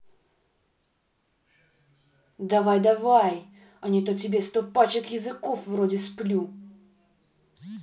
давай давай а не то тебе сто пачек языков вроде сплю